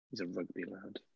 He's a rugby lad.